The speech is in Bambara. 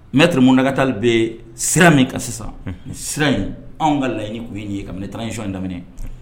Maitre Muntaka Tall bɛ sira min kan sisanunhun, , sira in anw ka laɲini kun ye nin ye kabini transition daminɛ.